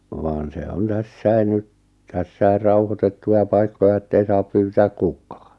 vaan se on tässäkin nyt tässä rauhoitettuja paikkoja että ei saa pyytää kukaan